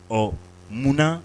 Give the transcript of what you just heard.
Ɔ munan